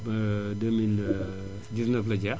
ba deux mille dix neuf la jeex